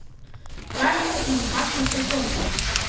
3 Minuten und 20 Sekunden